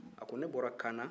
a ko ne bɔra kaana